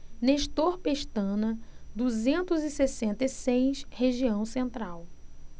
nestor pestana duzentos e sessenta e seis região central